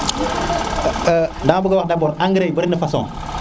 dama bëgë zax d' abors engrais yi bërina façon